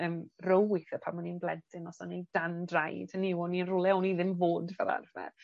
yym row withe pan o'n i'n blentyn os o'n i dan draed. Hynny yw o'n i'n rywle o'n i ddim fod fel arfer.